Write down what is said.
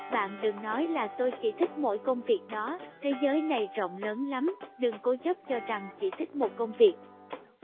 bạn đừng nói là tôi chỉ thích mỗi công việc đó thế giới này rộng lớn lắm đừng cố chấp cho rằng chỉ thích công việc